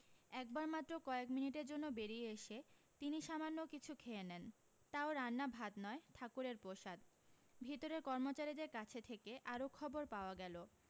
একবার মাত্র কয়েক মিনিটের জন্য বেরিয়ে এসে তিনি সামান্য কিছু খেয়ে নেন তাও রান্না ভাত নয় ঠাকুরের প্রসাদ ভিতরের কর্মচারীদের কাছে থেকে আরও খবর পাওয়া গেলো